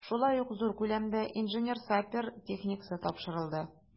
Шулай ук зур күләмдә инженер-сапер техникасы тапшырылды.